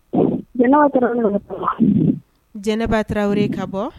Jɛnɛba Traore ka Jɛnɛba Traore ka bɔ